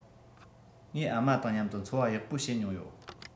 ངའི ཨ མ དང མཉམ དུ འཚོ བ ཡག པོ བྱེད མྱོང ཡོད